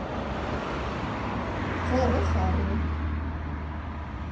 ֊ Ձեռ ես առնու՞մ…